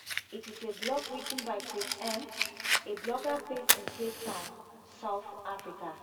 It is a blog written by Chris M, a blogger based in Cape Town, South Africa.